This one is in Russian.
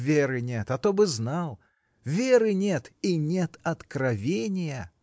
Веры нет, а то бы знал; веры нет -- и нет окровения.